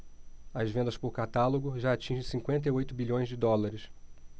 as vendas por catálogo já atingem cinquenta e oito bilhões de dólares